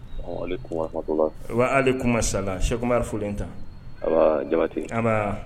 Salamaleku warahmatula waalekumasala Cheick Oumar Folenta abaa Jabate an baa